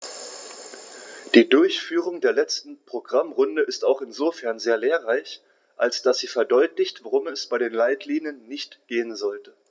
Die Durchführung der letzten Programmrunde ist auch insofern sehr lehrreich, als dass sie verdeutlicht, worum es bei den Leitlinien nicht gehen sollte.